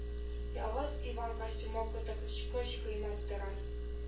Явыз иван костюмы коточкыч кыйммәт тора